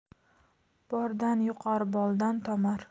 bordan yuqar boldan tomar